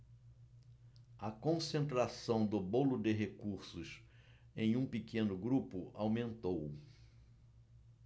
a concentração do bolo de recursos em um pequeno grupo aumentou